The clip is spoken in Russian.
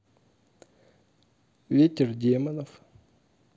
ветер демонов